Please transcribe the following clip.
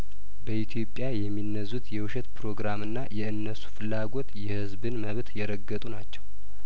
በኢትዮጵያ የሚነዙት የውሸት ፕሮግራምና የእነሱ ፍላጐት የህዝብን መብት የረገጡ ናቸው